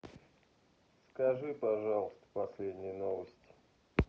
скажи пожалуйста последние новости